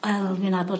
Wel fi nabod...